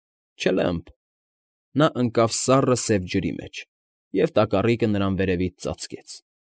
Չըլը՛մփ… Նա ընկավ սառը սև ջրի մեջ, և տակառիկը նրան վերևից ծածկեց։